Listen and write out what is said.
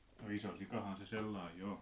iso sikahan se sellainen jo on